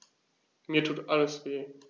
Mir tut alles weh.